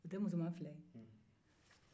o te musoman fila ye